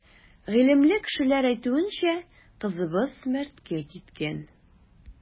Гыйлемле кешеләр әйтүенчә, кызыбыз мәрткә киткән.